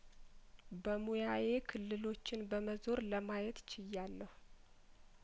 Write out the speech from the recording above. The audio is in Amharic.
በሙያዬ ክልሎችን በመዞር ለማየትች ያለሁ